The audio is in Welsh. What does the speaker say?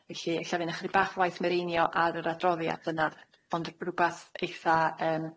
Felly, ella fu 'na ychydig bach o waith mireinio ar yr adroddiad yna, ond rwbath eitha yym